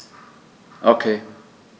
Okay.